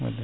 wallay